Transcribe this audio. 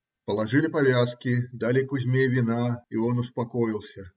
Положили повязки, дали Кузьме вина, и он успокоился.